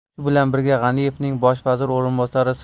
shu bilan birga g'aniyevning bosh vazir o'rinbosari